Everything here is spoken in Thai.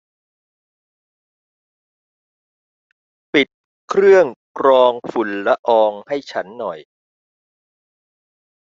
ปิดเครื่องกรองฝุ่นละอองให้ฉันหน่อย